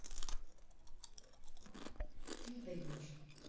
ты не поймешь